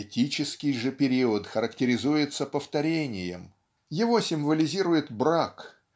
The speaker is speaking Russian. Этический же период характеризуется повторением его символизирует брак